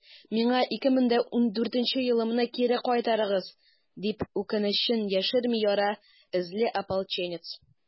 «миңа 2014 елымны кире кайтарыгыз!» - дип, үкенечен яшерми яра эзле ополченец.